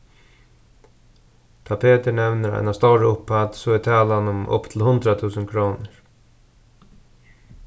tá petur nevnir eina stóra upphædd so er talan um upp til hundrað túsund krónur